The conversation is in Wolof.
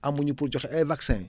amuñu pour joxe ay vaccins